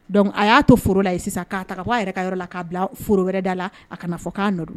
Donc a y'a to foro la yen sisan k'a ta k'a yɛr bɔ a yɛrɛ ka yɔrɔ la , k'a bila foro wɛrɛ da la a kana fɔ k'a nɔ don.